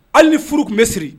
Hali ni furu tun bɛ siri